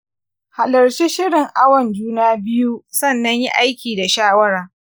halarci shirin awon juna-biyu sannan yi aiki da shawara